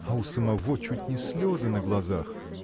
а у самого чуть не слезы на глазах.